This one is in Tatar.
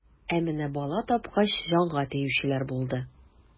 Ә менә бала тапкач, җанга тиючеләр булды.